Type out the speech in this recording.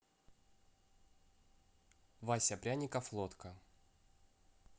вася пряников лодка